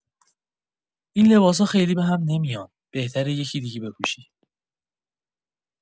این لباسا خیلی به هم نمیان، بهتره یکی دیگه بپوشی.